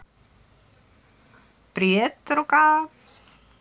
привет рука